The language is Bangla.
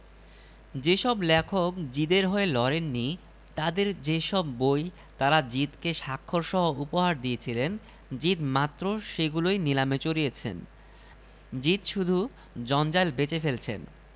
যে সব লেখক জিদের হয়ে লড়েন নি তাঁদের যে সব বই তাঁরা জিদ কে স্বাক্ষরসহ উপহার দিয়েছিলেন জিদ মাত্র সেগুলোই নিলামে চড়িয়েছেন জিদ শুধু জঞ্জাল বেচে ফেলছেন